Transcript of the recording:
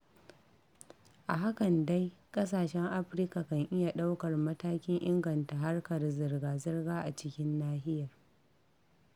A hakan dai, ƙasashen Afirka kan iya ɗaukar matakin inganta harkar zirga-zirga a cikin nahiyar.